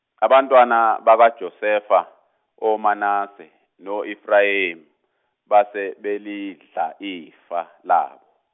abantwana bakwaJosefa, oManase noEfrayimi, base belidla ifa labo.